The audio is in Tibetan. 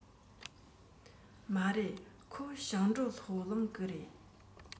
མ རེད ཁོ ཞིང འབྲོག སློབ གླིང གི རེད